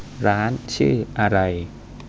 ร้านชื่ออะไร